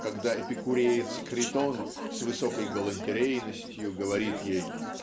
когда эпикуреец Критон с высокой галантерейностью говорит ей